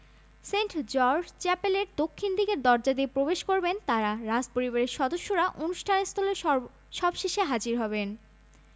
Saint George চ্যাপেলের দক্ষিণ দিকের দরজা দিয়ে প্রবেশ করবেন তাঁরা রাজপরিবারের সদস্যরা অনুষ্ঠান স্থলে সবশেষে হাজির হবেন